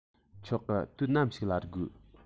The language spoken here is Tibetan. ཆོག གི དུས ནམ ཞིག ལ དགོས